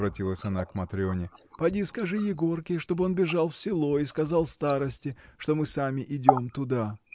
— оборотилась она к Матрене, — поди скажи Егорке, чтоб он бежал в село и сказал старосте, что мы сами идем туда.